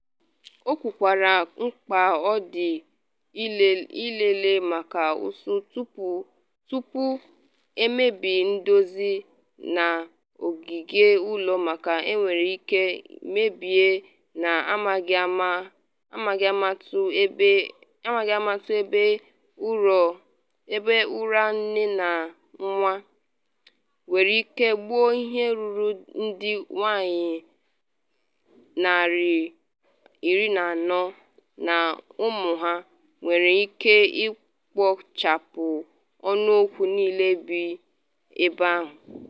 O kwukwara mkpa ọ dị ilele maka ụsụ tupu emebe ndozi n’ogige ụlọ maka enwere ike mebie n’amaghị ama otu ebe ụra nne na nwa, nwere ike gbuo ihe ruru ndị nwanyị 400 na ụmụ ha, nwere ike ikpochapu ọnụọgụ niile bi ebe ahụ.